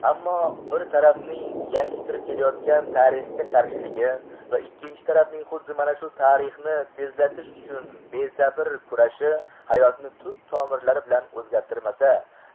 ammo bir tarafning yangi kirib kelayotgan tarixga qarshiligi va ikkinchi tarafning xuddi mana shu tarixni tezlatish uchun besabr kurashi hayotni tub tomirlari bilan o'zgartirmasa